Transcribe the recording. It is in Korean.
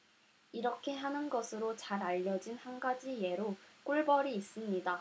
이렇게 하는 것으로 잘 알려진 한 가지 예로 꿀벌이 있습니다